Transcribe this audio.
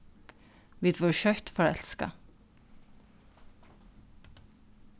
vit vórðu skjótt forelskað